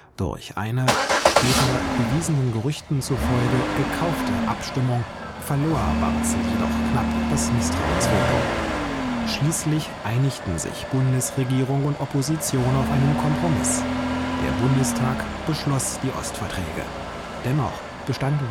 Durch eine (später bewiesenen Gerüchten zu Folge) gekaufte Abstimmung verlor Barzel jedoch knapp das Misstrauensvotum. Schließlich einigten sich Bundesregierung und Opposition auf einen Kompromiss; der Bundestag beschloss die Ostverträge. Dennoch bestand